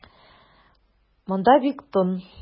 Монда бик тын.